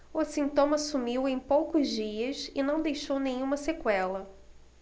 o sintoma sumiu em poucos dias e não deixou nenhuma sequela